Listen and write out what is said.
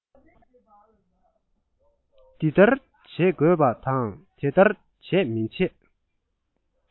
འདི ལྟར བྱེད དགོས པ དང དེ ལྟར བྱེད མི བྱེད